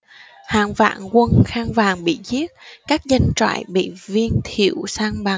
hàng vạn quân khăn vàng bị giết các doanh trại bị viên thiệu san bằng